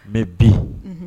Mɛ bin